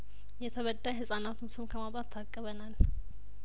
የተበዳይ ህጻናቱን ስም ከማውጣት ታቅበናል